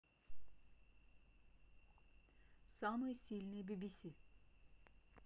самые сильные bbc